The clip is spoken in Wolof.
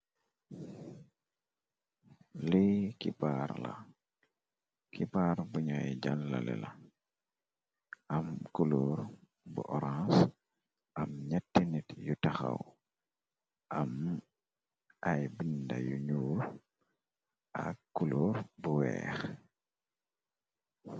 lii kipaar la kipaar buñay jàllale la am kulor bu horange am ñetti nit yu taxaw am ay binda yu ñuur ak kuloor bu weex.